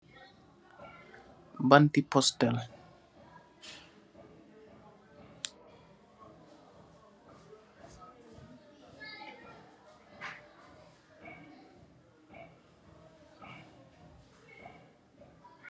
Banti postel.